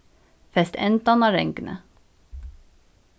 fest endan á ranguni